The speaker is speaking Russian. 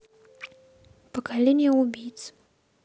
поколение убийц